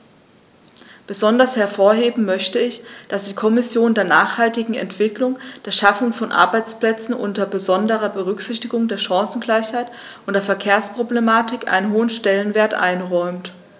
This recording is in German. Besonders hervorheben möchte ich, dass die Kommission der nachhaltigen Entwicklung, der Schaffung von Arbeitsplätzen unter besonderer Berücksichtigung der Chancengleichheit und der Verkehrsproblematik einen hohen Stellenwert einräumt.